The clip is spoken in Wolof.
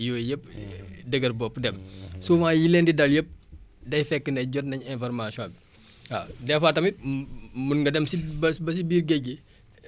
souvent yi leen di dal yëpp day fekk ne jot nañ information bi waaw des fois tamit mu mun nga dem si ba si biir géej gi fekk information bi génn sa ginnaaw